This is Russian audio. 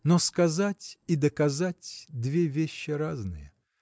Но сказать и доказать – две вещи разные.